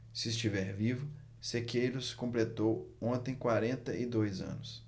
se estiver vivo sequeiros completou ontem quarenta e dois anos